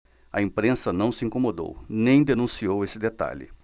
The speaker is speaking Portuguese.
a imprensa não se incomodou nem denunciou esse detalhe